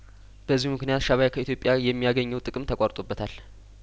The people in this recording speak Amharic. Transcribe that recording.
በዚሁ ምክንያት ሻቢያ ከኢትዮጵያ የሚያገኘው ጥቅም ተቋርጦበታል